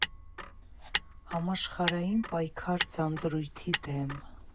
Համաշխարհային պայքար ձանձրույթի դեմ։